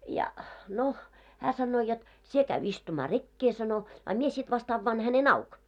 ja no hän sanoo jotta sinä käy istumaan rekeen sanoi a minä sitten vasta avaan hänen auki